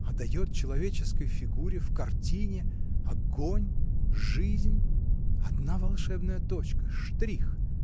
А дает человеческой фигуре, в картине, огонь, жизнь — одна волшебная точка, штрих